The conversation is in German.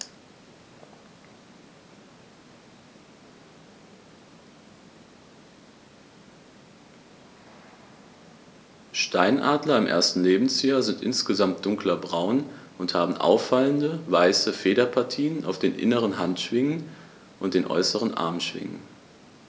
Steinadler im ersten Lebensjahr sind insgesamt dunkler braun und haben auffallende, weiße Federpartien auf den inneren Handschwingen und den äußeren Armschwingen.